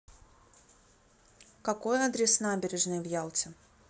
какой адрес набережной в ялте